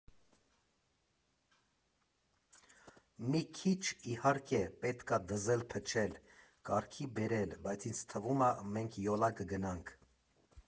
Մի քիչ, իհարկե, պետք ա դզել֊փչել, կարգի բերել, բայց ինձ թվում ա մենք յոլա կգնանք։